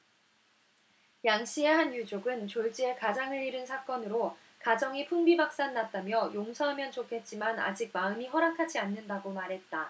양 씨의 한 유족은 졸지에 가장을 잃은 사건으로 가정이 풍비박산 났다며 용서하면 좋겠지만 아직 마음이 허락하지 않는다고 말했다